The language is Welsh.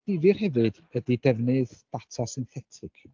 Difyr hefyd ydy defnydd data synthetic.